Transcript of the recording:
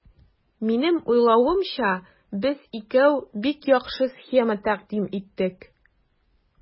Минем уйлавымча, без икәү бик яхшы схема тәкъдим иттек.